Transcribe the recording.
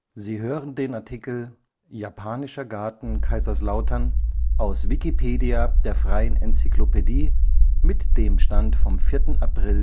Sie hören den Artikel Japanischer Garten (Kaiserslautern), aus Wikipedia, der freien Enzyklopädie. Mit dem Stand vom Der